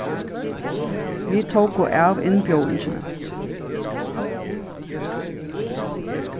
vit tóku av innbjóðingini